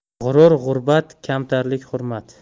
g'urur g'urbat kamtarlik hurmat